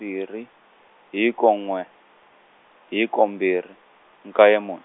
mbirhi hiko n'we, hiko mbirhi, nkaye mun-.